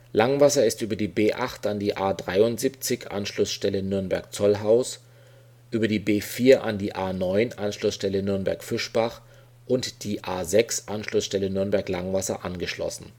Langwasser ist über die B 8 an die A 73 (Anschlussstelle Nürnberg-Zollhaus), über die B 4 an die A 9 (Anschlussstelle Nürnberg-Fischbach) und die A 6 (Anschlussstelle Nürnberg-Langwasser) angeschlossen